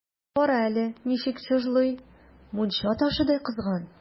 Кара әле, ничек чыжлый, мунча ташыдай кызган!